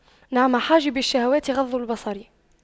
نعم حاجب الشهوات غض البصر